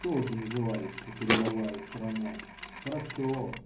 Тоже называется: передовая страна. Хороша!